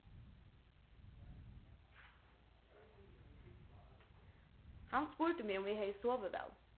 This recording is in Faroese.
hann spurdi meg um eg hevði sovið væl